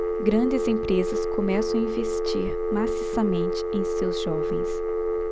grandes empresas começam a investir maciçamente em seus jovens